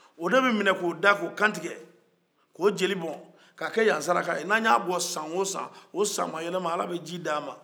o de bɛ minɛ k'o da k'o kantigɛ k'o joli bɔn ka kɛ yan saraka ye n'a y'a bɔ san o san o san yɛlɛ man ala bɛ ji di anw man